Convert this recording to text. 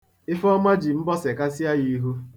Ifeọma ji mbọ sekasịa ya ihu.